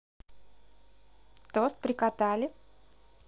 тост прикатали